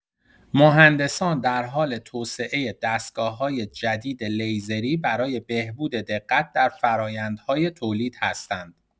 مهندسان در حال توسعه دستگاه‌های جدید لیزری برای بهبود دقت در فرآیندهای تولید هستند.